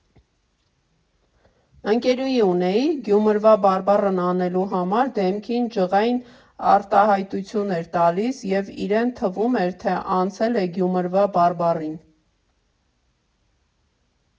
Ընկերուհի ունեի՝ Գյումրվա բարբառն անելու համար դեմքին ջղային արտահայտություն էր տալիս և իրեն թվում էր, թե անցել է Գյումրվա բարբառին։